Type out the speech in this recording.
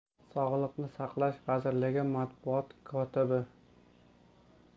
sog'liqni saqlash vazirligi matbuot kotibii